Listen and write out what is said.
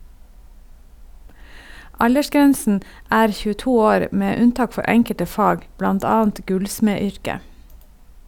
Aldersgrensen er 22 år, med unntak for enkelte fag, blant annet gullsmedyrket.